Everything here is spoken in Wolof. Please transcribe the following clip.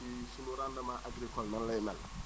si sunu rendement agricol nan lay mel